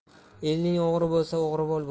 eling o'g'ri bo'lsa o'g'ri